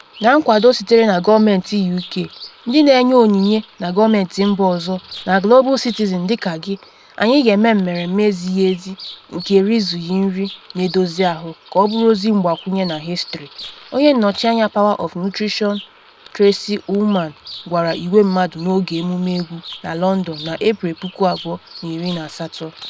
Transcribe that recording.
“Na nkwado sitere na gọọmentị UK, ndị na-enye onyinye na gọọmentị mba ọzọ, na Global Citizen dịka gị, anyị ga-eme mmeremme ezighi ezi nke erizughị nri na-edozi ahụ ka ọ bụrụ ozi mgbakwunye na hịstrị.” Onye nnọchi anya Power of Nutrition Tracey Ullman gwara igwe mmadụ n’oge emume egwu na London na Eprel 2018.